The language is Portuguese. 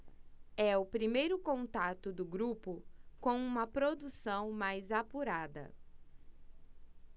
é o primeiro contato do grupo com uma produção mais apurada